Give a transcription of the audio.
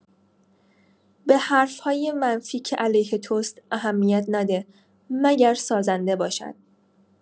به حرف‌های منفی که علیه توست اهمیت نده مگر سازنده باشد.